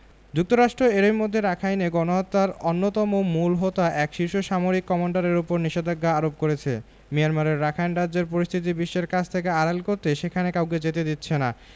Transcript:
যুক্তরাষ্ট্র এরই মধ্যে রাখাইনে গণহত্যার অন্যতম মূল হোতা এক শীর্ষ সামরিক কমান্ডারের ওপর নিষেধাজ্ঞা আরোপ করেছে মিয়ানমার রাখাইন রাজ্য পরিস্থিতি বিশ্বের কাছ থেকে আড়াল করতে সেখানে কাউকে যেতে দিচ্ছে না